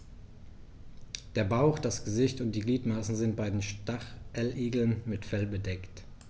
Der Bauch, das Gesicht und die Gliedmaßen sind bei den Stacheligeln mit Fell bedeckt.